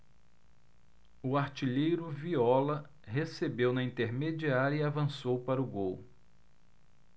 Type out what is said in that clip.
o artilheiro viola recebeu na intermediária e avançou para o gol